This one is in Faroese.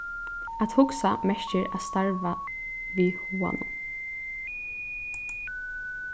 at hugsa merkir at starva við huganum